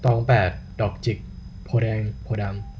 ตองแปดดอกจิกโพธิ์แดงโพธิ์ดำ